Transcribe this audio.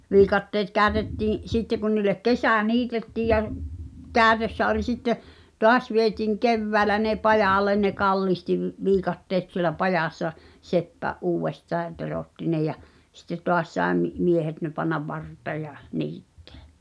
viikatteet käytettiin sitten kun niille kesä niitettiin ja - käytössä oli sitten taas vietiin keväällä ne pajalle ne kallitsi - viikatteet siellä pajassa seppä uudestaan ja teroitti ne ja sitten taas sai - miehet ne panna varteen ja niittää